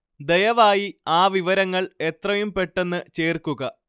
ദയവായി ആ വിവരങ്ങള്‍ എത്രയും പെട്ടെന്ന് ചേര്‍ക്കുക